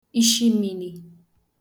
ishi mīnī